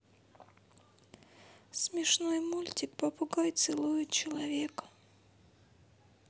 смешной мультик попугай целует человека